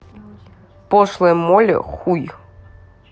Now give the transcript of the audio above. пошлая молли хуй